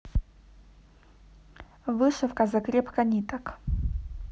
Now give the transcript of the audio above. вышивка закрепка ниток